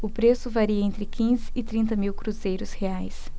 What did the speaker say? o preço varia entre quinze e trinta mil cruzeiros reais